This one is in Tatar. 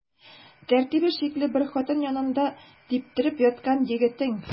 Тәртибе шикле бер хатын янында типтереп яткан егетең.